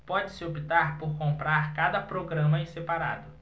pode-se optar por comprar cada programa em separado